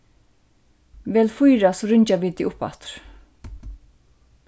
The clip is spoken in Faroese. vel fýra so ringja vit teg uppaftur